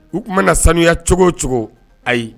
U tun na sanuya cogo o cogo ayi